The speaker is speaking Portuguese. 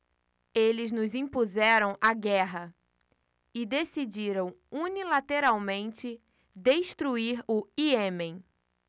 eles nos impuseram a guerra e decidiram unilateralmente destruir o iêmen